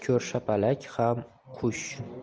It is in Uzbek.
ko'rshapalak ham qush